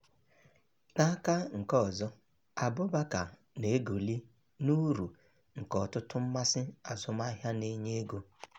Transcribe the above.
N'aka nke ọzọ, Abubakar, na-egoli "n'uru" nke "ọtụtụ mmasị azụmahịa na-enye ego".